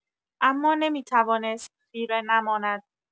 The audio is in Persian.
اما نمی‌توانست خیره نماند.